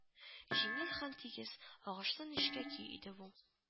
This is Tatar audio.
Җиңел һәм тигез агачлы нечкә көй иде бу